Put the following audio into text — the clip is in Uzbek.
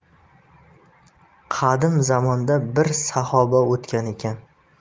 qadim zamonda bir saxoba o'tgan ekan